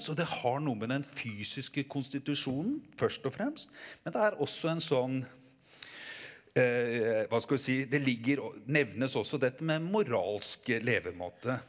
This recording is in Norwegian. så det har noe med den fysiske konstitusjonen først og fremst men det er også en sånn hva skal vi si det ligger nevnes også dette med moralsk levemåte.